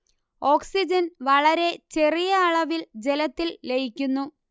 ഓക്സിജന് വളരെ ചെറിയ അളവില് ജലത്തില് ലയിക്കുന്നു